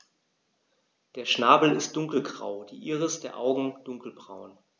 Der Schnabel ist dunkelgrau, die Iris der Augen dunkelbraun.